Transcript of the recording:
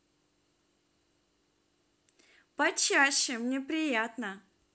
почаще мне приятно